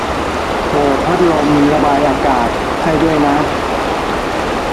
เปิดพัดลมระบายอากาศให้ด้วยนะ